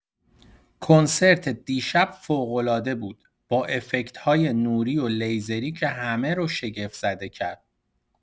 کنسرت دیشب فوق‌العاده بود، با افکت‌های نوری و لیزری که همه رو شگفت‌زده کرد.